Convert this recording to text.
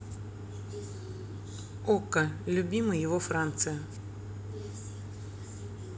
okko любимый его франция